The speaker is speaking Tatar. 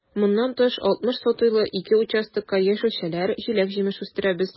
Моннан тыш, 60 сотыйлы ике участокта яшелчәләр, җиләк-җимеш үстерәбез.